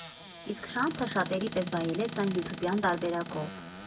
Իսկ Շանթը շատերի պես վայելեց այն յութուբյան տարբերակով։